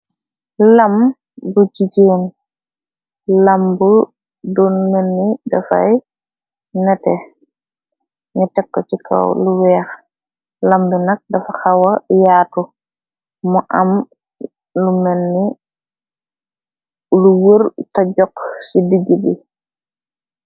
Lam bu jigeen, làmbu du mënni dafay nete, na tokko ci kaw lu weex, lambu nak dafa xawa yaatu, mu am lu menni lu wur, ta jokk ci dijj bi.